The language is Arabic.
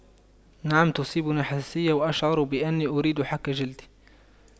نعم تصيبني حساسية وأشعر بأني أريد حك جلدي